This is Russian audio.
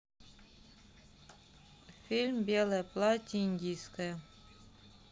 фильм белое платье индийское